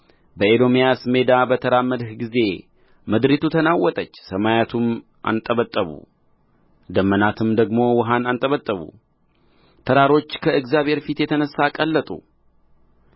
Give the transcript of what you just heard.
ከኤዶምያስም ሜዳ በተራመድህ ጊዜ ምድሪቱ ተናወጠች ሰማያቱም አንጠበጠቡ ደመናትም ደግሞ ውኃን አንጠበጠቡ ተራሮች ከእግዚአብሔር ፊት የተነሣ ቀለጡ